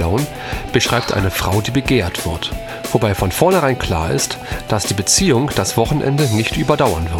Beziehung das Wochenende nicht überdauern